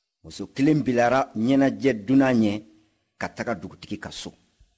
muso kelen bilara ɲɛnajɛ dunan ɲɛ ka taga dugutigi ka so